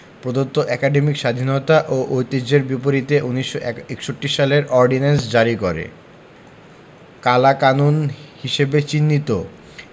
প্রদত্ত একাডেমিক স্বাধীনতা ও ঐতিহ্যের বিপরীতে ১৯৬১ সালের অর্ডিন্যান্স জারি করে কালাকানুন হিসেবে চিহ্নিত